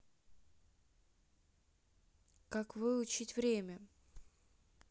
как выучить время